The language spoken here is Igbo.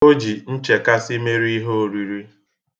O ji nchekasị mere ihe oriri.